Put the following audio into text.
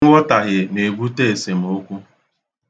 Nghọtahie na-ebute esemokwu.